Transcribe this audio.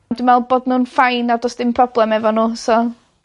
Dwi me'wl bod nw'n fine a do's dim problem efo n'w so...